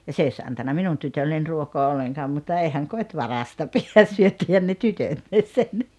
ja se ei olisi antanut minun tytölle ruokaa ollenkaan mutta eihän koti varasta pidä syöttihän ne tytötkin sen